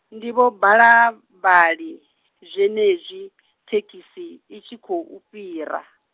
ndi Vho Balavhali, zwenezwi , thekhisi, i tshi khou fhira.